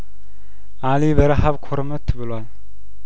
አሊ በረሀብ ኩርምት ብሏል